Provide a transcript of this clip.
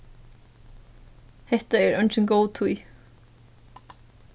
hetta er eingin góð tíð